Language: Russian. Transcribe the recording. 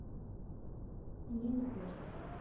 мне не хочется